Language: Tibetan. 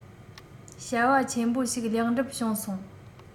བྱ བ ཆེན པོ ཞིག ལེགས འགྲུབ བྱུང སོང